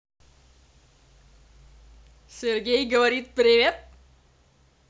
сергей говорит привет